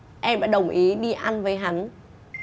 em đã đồng ý đi ăn với hắn